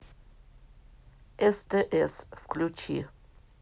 стс включи